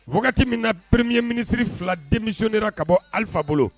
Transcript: Wagati min na peremeye minisiriri fila denmisɛnwmini ka bɔ alifa bolo